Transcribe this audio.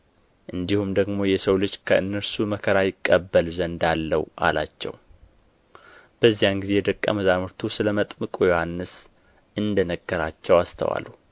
እንዲሁም ደግሞ የሰው ልጅ ከእነርሱ መከራ ይቀበል ዘንድ አለው አላቸው በዚያን ጊዜ ደቀ መዛሙርቱ ስለ መጥምቁ ስለ ዮሐንስ እንደ ነገራቸው አስተዋሉ